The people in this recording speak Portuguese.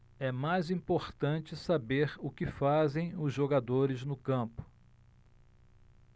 é mais importante saber o que fazem os jogadores no campo